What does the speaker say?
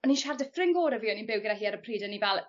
o'n i'n siarad 'dy ffrind gore fi o'n i'n byw gyda hi ar y pryd o'n i fel